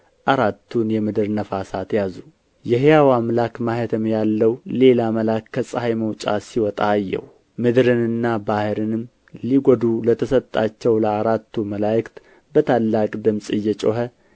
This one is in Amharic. አራቱን የምድር ነፋሳት ያዙ የሕያው አምላክ ማኅተም ያለውም ሌላ መልአክ ከፀሐይ መውጫ ሲወጣ አየሁ ምድርንና ባሕርንም ሊጐዱ ለተሰጣቸው ለአራቱ መላእክት በታላቅ ድምፅ እየጮኸ